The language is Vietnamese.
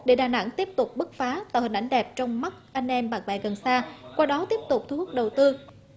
để đà nẵng tiếp tục bứt phá tạo hình ảnh đẹp trong mắt anh em bạn bè gần xa qua đó tiếp tục thu hút đầu tư